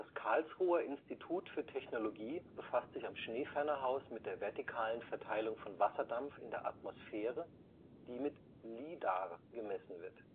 Karlsruher Institut für Technologie befasst sich am Schneefernerhaus mit der vertikalen Verteilung von Wasserdampf in der Atmosphäre, die mit LIDAR gemessen wird